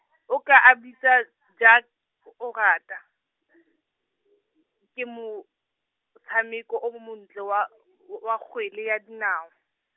o ka a bitsa, jak- o o rata , ke mo tshameko o mo montle wa , w- wa kgwele ya dinao.